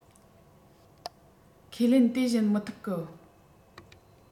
ཁས ལེན དེ བཞིན མི ཐུབ ཀི ཡིན